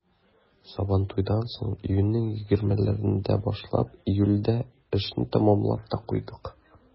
Сабантуйдан соң, июньнең 20-ләрендә башлап, июльдә эшне тәмамлап та куйдык.